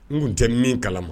N tun tɛ min kala ma